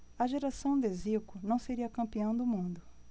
a geração de zico não seria campeã do mundo